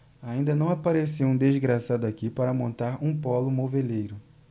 ainda não apareceu um desgraçado aqui para montar um pólo moveleiro